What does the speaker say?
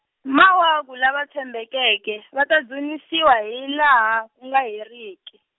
mawaku lava tshembekeke va ta dzunisiwa hilaha ku nga heriki.